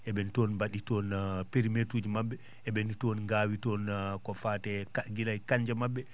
eɓen toon mbaɗi toon périmétre uji maɓɓe eɓeni toon ngaawi toon ko faati e ka gila e kannje maɓɓe